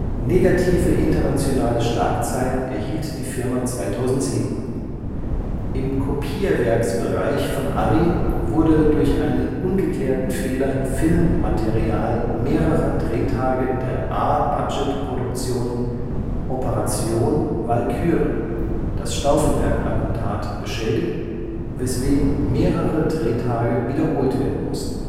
Negative internationale Schlagzeilen erhielt die Firma 2007. Im Kopierwerksbereich von Arri wurde durch einen ungeklärten Fehler Filmmaterial mehrerer Drehtage der A-Budget-Produktion Operation Walküre – Das Stauffenberg-Attentat beschädigt, weswegen mehrere Drehtage wiederholt werden mussten